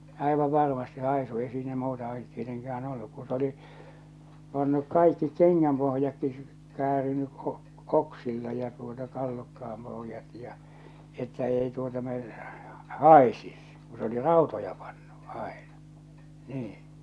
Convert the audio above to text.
aivan varmasti haisu ei siinä muuta ollut tietenkään ollut kun se oli pannut kaikki kengänpohjatkin käärinyt -- oksilla ja tuota tallukkaan pohjat ja että ei tuota - haisisi kun se oli rautoja pannut aina niin